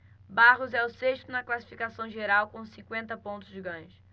barros é o sexto na classificação geral com cinquenta pontos ganhos